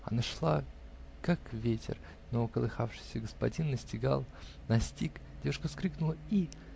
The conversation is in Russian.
Она шла как ветер, но колыхавшийся господин настигал, настиг, девушка вскрикнула -- и.